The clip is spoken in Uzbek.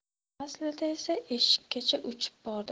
aslida esa eshikkacha uchib bordi